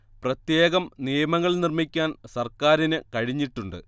പ്രത്യേകം നിയമങ്ങൾ നിർമ്മിക്കാൻ സർക്കാരിന് കഴിഞ്ഞിട്ടുണ്ട്